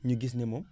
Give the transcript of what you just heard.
énu gis ne moom